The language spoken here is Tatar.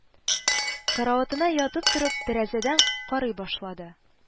Караватына ятып торып, тәрәзәдән карый башлады